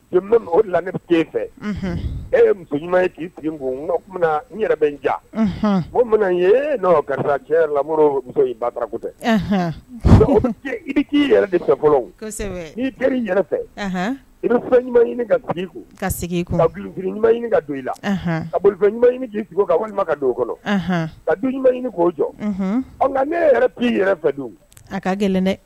O la fɛ e muso ɲumanuma k'i sigi na n yɛrɛ bɛ n ja o mana ye n' ka cɛ lamɔ muso ba bara tɛ i k'i yɛrɛ de fɛ fɔlɔ ni teri yɛrɛ fɛ i ɲuman ka ka ɲumanuma ɲini ka don i la a bolofi ɲuman ɲini k'i ka walima ka don kɔnɔ ka du ɲuman ɲini k'o jɔ nka ne yɛrɛ k'i yɛrɛ fɛ don a ka gɛlɛn dɛ